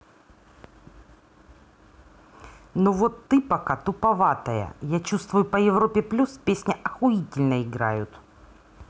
ну вот ты пока туповатая я чувствую по европе плюс песня охуительно играют